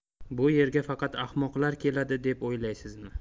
bu yerga faqat ahmoqlar keladi deb o'ylaysizmi